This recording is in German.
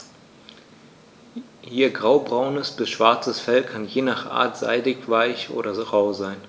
Ihr graubraunes bis schwarzes Fell kann je nach Art seidig-weich oder rau sein.